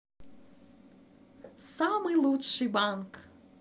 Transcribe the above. самый лучший банк